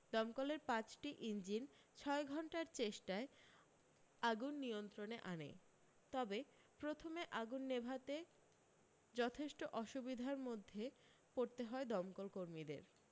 দমকলের পাঁচ টি ইঞ্জিন ছয় ঘন্টার চেষ্টায় আগুন নিয়ন্ত্রণে আনে তবে প্রথমে আগুন নেভাতে যথেষ্ট অসুবিধার মধ্যে পড়তে হয় দমকল কর্মীদের